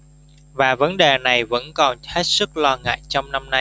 và vấn đề này vẫn còn hết sức lo ngại trong năm nay